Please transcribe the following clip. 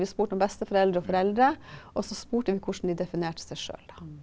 vi spurte om besteforeldre og foreldre, og så spurte vi hvordan de definerte seg sjøl da.